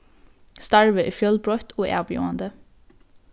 starvið er fjølbroytt og avbjóðandi